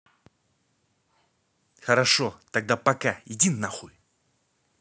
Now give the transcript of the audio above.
хорошо тогда пока иди нахуй